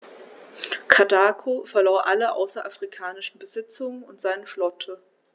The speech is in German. Karthago verlor alle außerafrikanischen Besitzungen und seine Flotte.